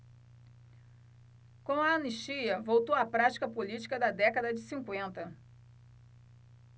com a anistia voltou a prática política da década de cinquenta